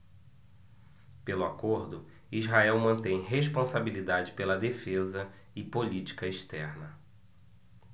pelo acordo israel mantém responsabilidade pela defesa e política externa